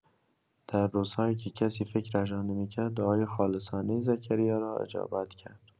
و در روزهایی که کسی فکرش را نمی‌کرد، دعای خالصانه زکریا را اجابت کرد.